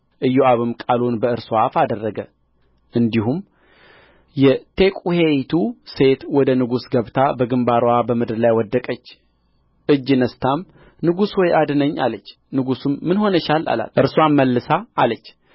ኢዮአብም ቃሉን በእርስዋ አፍ አደረገ እንዲሁም የቴቁሔይቱ ሴት ወደ ንጉሥ ገብታ በግምባርዋ በምድር ላይ ወደቀች እጅ ነሥታም ንጉሥ ሆይ አድነኝ አለች ንጉሡም ምን ሆነሻል አላት እርስዋም መልሳ አለች